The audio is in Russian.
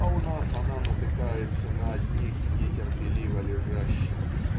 а у нас она натыкается на одних нетерпеливо лежащих.